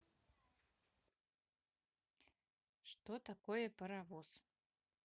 что такое паровоз